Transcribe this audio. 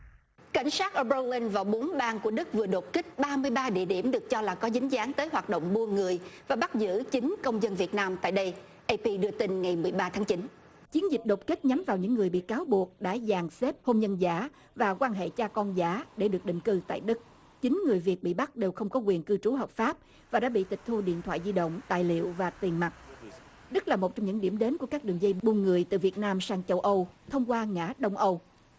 cảnh sát ở bô lân vào bốn bang của đức vừa đột kích ba mươi ba địa điểm được cho là có dính dáng tới hoạt động buôn người và bắt giữ chính công dân việt nam tại đây ap đưa tin ngày mười ba tháng chín chiến dịch đột kích nhắm vào những người bị cáo buộc đã dàn xếp hôn nhân giả và quan hệ cha con giả để được định cư tại đức chính người việt bị bắt đều không có quyền cư trú hợp pháp và đã bị tịch thu điện thoại di động tài liệu và tiền mặt đức là một trong những điểm đến của các đường dây buôn người từ việt nam sang châu âu thông qua ngả đông âu